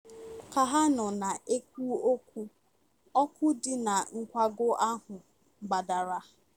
Ka ha nọ na-ekwu okwu, ọkụ dị na nkwago ahụ gbadara.